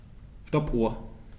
Stoppuhr.